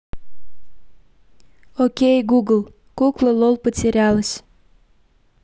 окей гугл кукла лол потерялась